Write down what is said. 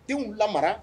Denw la marara